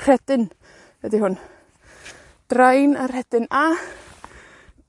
Rhedyn ydi hwn. Drain a rhedyn, a